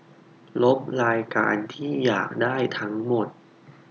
ลบรายการที่อยากได้ทั้งหมด